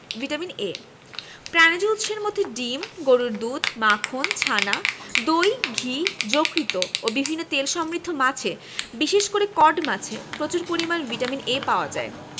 vitamin A প্রাণিজ উৎসের মধ্যে ডিম গরুর দুধ মাখন ছানা দই ঘি যকৃৎ ও বিভিন্ন তেলসমৃদ্ধ মাছে বিশেষ করে কড মাছে প্রচুর পরিমান ভিটামিন A পাওয়া যায়